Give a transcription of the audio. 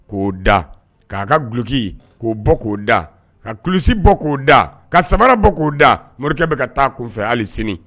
K'o da k'a ka gloki k'o bɔ k'u da ka kululisisi bɔ k'u da ka sabara bɔ k'u da morikɛ bɛ ka taa kun fɛ hali sini